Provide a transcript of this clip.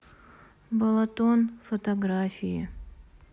балатон фотографии